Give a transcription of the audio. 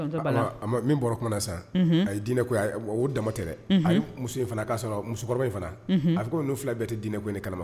Min bɔra kuma na sisan, unhun, a ye diinɛko in o dama tɛ, unhun, a ye muso in fana k'a sɔrɔ musokɔrɔba in fana, unhun, a fɔ ko ninnu fila bɛɛ tɛ diinɛko in kala